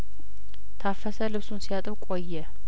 ታፈሰ ልብሱን ሲያጥብ ቆየ